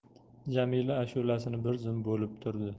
jamila ashulasini bir zum bo'lib turdi